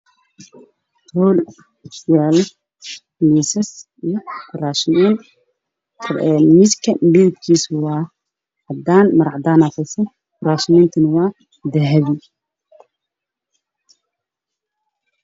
Hool yaalo miisas iyo kuraas